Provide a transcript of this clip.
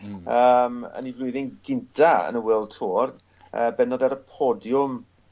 Mm. Yym yn 'i flwyddyn gynta yn y World Tour yy bennodd e ar y podiwm